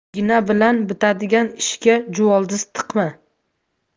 igna bilan bitadigan ishga juvoldiz tiqma